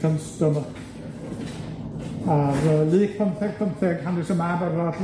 can stomache. A'r yy Lug pymtheg pymtheg, hanes y mab afradlon